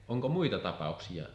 onko muita tapauksia